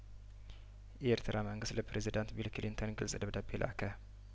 የኤርትራ መንግስት ለፕሬዚዳንት ቢል ክሊንተን ግልጽ ደብዳቤ ላከ